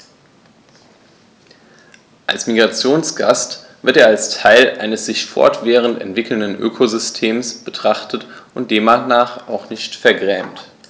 Als Migrationsgast wird er als Teil eines sich fortwährend entwickelnden Ökosystems betrachtet und demnach auch nicht vergrämt.